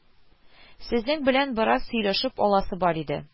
Сезнең белән бераз сөйләшеп аласы бар иде